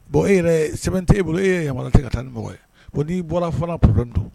Bon e yɛrɛ sɛbɛntee bolo e ye yamana tɛ ka taa ni mɔgɔ ye ko'i bɔra fana pd don